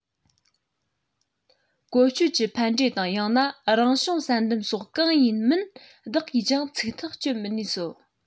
བཀོལ སྤྱོད ཀྱི ཕན འབྲས དང ཡང ན རང བྱུང བསལ འདེམས སོགས གང ཡིན མིན བདག གིས ཀྱང ཚིག ཐག གཅོད མི ནུས སོ